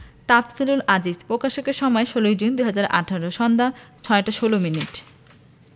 তাফসিলুল আজিজ প্রকাশের সময় ১৬জুন ২০১৮ সন্ধ্যা ৬টা ১৬ মিনিট